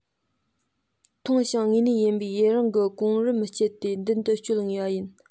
ཐུང ཞིང དངོས གནས ཡིན པའི ཡུན བཞིན གྱི གོམ རིམ སྤྱད དེ མདུན དུ སྐྱོད ངེས པ ཡིན